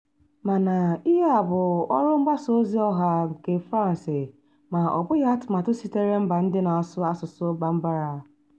Mana ihe a bụ ọrụ mgbasa ozi ọha nke France ma ọ bụghị atụmatụ sitere mba ndị na-asụ asụsụ Bambara.